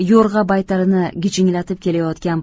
yo'rg'a baytalini gijinglatib kelayotgan